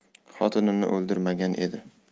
xotinini o'ldirmagan edi